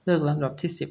เลือกลำดับที่สิบ